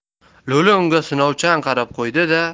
lo'li unga sinovchan qarab qo'ydi da